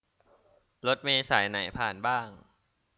รถเมล์สายไหนผ่านบ้าง